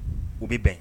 U bɛ bɛn